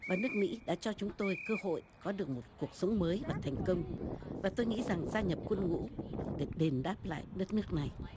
và nước mỹ đã cho chúng tôi cơ hội có được một cuộc sống mới và thành công và tôi nghĩ rằng gia nhập quân ngũ để đền đáp lại đất nước này